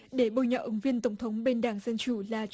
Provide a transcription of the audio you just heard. để bôi nhọ ứng viên tổng thống bên đảng dân chủ là